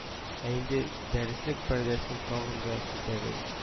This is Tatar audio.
Ә инде дәреслек пәрдәсен тагын да күтәрә